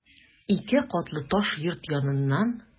Ике катлы таш йорт яныннан...